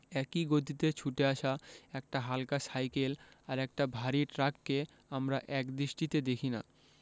একই গতিতে ছুটে আসা একটা হালকা সাইকেল আর একটা ভারী ট্রাককে আমরা একদৃষ্টিতে দেখি না